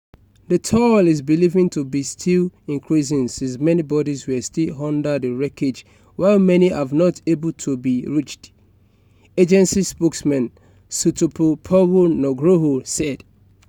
"The toll is believed to be still increasing since many bodies were still under the wreckage while many have not able to be reached," agency spokesman Sutopo Purwo Nugroho said.